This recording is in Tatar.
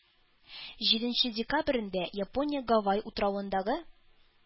Җиденче декабрендә япония гавай утравындагы